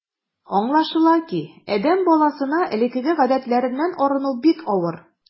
Аңлашыла ки, адәм баласына элекке гадәтләреннән арыну бик авыр.